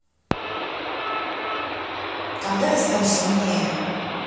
когда ты станешь умнее